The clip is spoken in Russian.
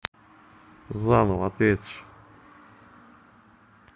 заново ответишь